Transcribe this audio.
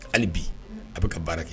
Hali bi a bɛ ka baara kɛ